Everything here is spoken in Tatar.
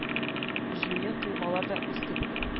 Жуен коймалар да үз кебек